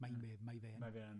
Mae'n Ma' fe yn..